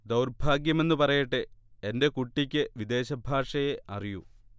ദൗർഭാഗ്യമെന്നു പറയട്ടെ, 'എന്റെ കുട്ടിക്ക് വിദേശഭാഷയേ അറിയൂ'